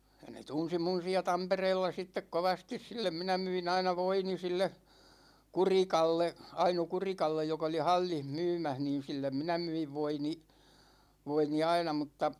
ja ne tunsi minun siellä Tampereella sitten kovasti sille minä myin aina voini sille Kurikalle Aino Kurikalle joka oli hallissa myymässä niin sille minä myin voini voini aina mutta